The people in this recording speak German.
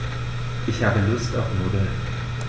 Ich habe Lust auf Nudeln.